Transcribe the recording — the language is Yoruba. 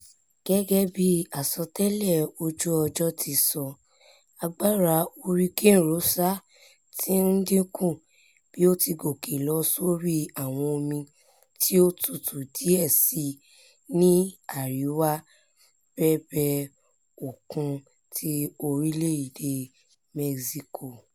Gẹ́gẹ́bí àsọtẹ́lẹ̀ ojú-ọjọ́ ti sọ, agbára Hurricane Rosa ti ńdínkù bí ó ti gòkè lọ sórí àwọn omi tí ó tútú díẹ̀ síi ní àríwá bèbè òkun ti orílẹ̀-èdè Mẹ́síkò.